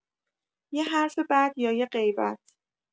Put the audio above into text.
یه حرف بد یا یه غیبت